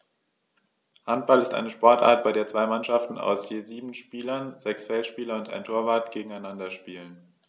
Handball ist eine Sportart, bei der zwei Mannschaften aus je sieben Spielern (sechs Feldspieler und ein Torwart) gegeneinander spielen.